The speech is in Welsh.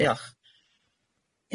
Diolch.